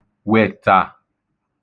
wètà